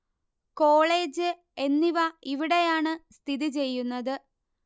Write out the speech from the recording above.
college എന്നിവ ഇവിടെയാണ് സ്ഥിതി ചെയ്യുന്നത്